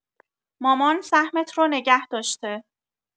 مامان سهمت رو نگه داشته.